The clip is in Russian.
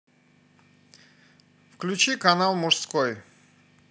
включи канал мужской